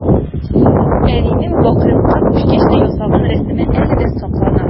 Әнинең бакыйлыкка күчкәч тә ясалган рәсеме әле дә саклана.